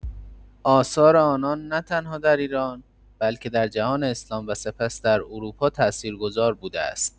آثار آنان نه‌تنها در ایران، بلکه در جهان اسلام و سپس در اروپا تأثیرگذار بوده است.